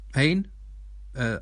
rhein, y...